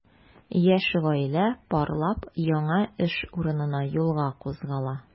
Яшь гаилә парлап яңа эш урынына юлга кузгала.